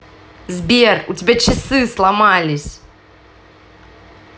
сбер у тебя часы сломались